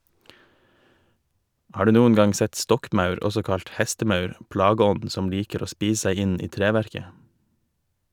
Har du noen gang sett stokkmaur, også kalt hestemaur, plageånden som liker å spise seg inn i treverket?